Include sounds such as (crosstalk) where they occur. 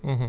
(hesitation) (hesitation)